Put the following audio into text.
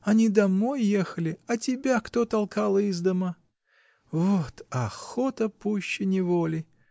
Они домой ехали, а тебя кто толкал из дома? Вот охота пуще неволи!